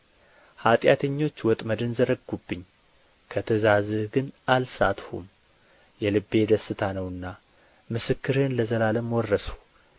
ኃጢአተኞች ወጥመድን ዘረጉብኝ ከትእዛዝህ ግን አልሳትሁም የልቤ ደስታ ነውና ምስክርህን ለዘላለም ወረስሁ